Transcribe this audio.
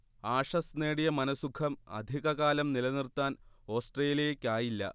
Ashes നേടിയ മനഃസുഖം അധിക കാലം നിലനിർത്താൻ ഓസ്ട്രേലിയയ്ക്കായില്ല